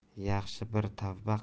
yaxshi bir tavba